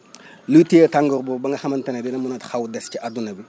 ñu téye tàngoor boobu ba nga xamante ne di nga mën a taxaw des ca adduna bi